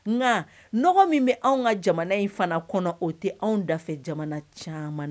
Nka nɔgɔ min bɛ anw ka jamana in fana kɔnɔ, o tɛ anw dafɛ jamana caman